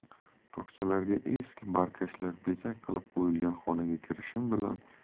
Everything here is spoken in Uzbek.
tokchalarga eski barkashlar bezak qilib qo'yilgan xonaga